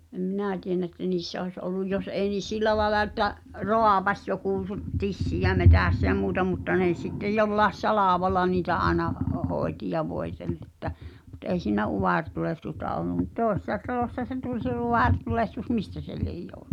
- en minä tiedä että niissä olisi ollut jos ei niissä sillä lailla että raapaisi joku - tissiä metsässä ja muuta mutta ne - sitten jollakin salvalla niitä aina - hoiti ja voiteli että mutta ei siinä utaretulehdusta ollut mutta toisessa talossa se tuli se utaretulehdus mistä se lie johtunut